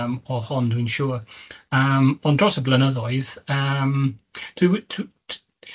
yym o hon dwi'n siŵr. Yym. Ond dros y blynyddoedd yym dwi w- dw- d- d-